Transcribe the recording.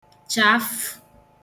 chafụ̀